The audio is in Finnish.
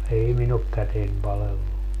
ei minun ole käteni palellut